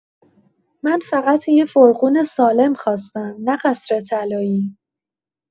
من فقط یه فرغون سالم خواستم، نه قصر طلایی.